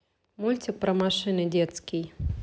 мультик про машины детский